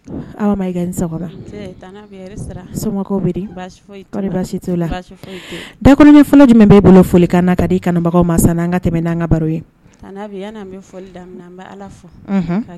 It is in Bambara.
Da fɔlɔ jumɛn bɛ bolo ka di kanubaga ma tɛmɛ baro